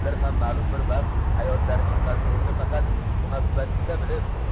ular ham malum bir vaqt hayotlarining mazmunini faqat muhabbatda bilib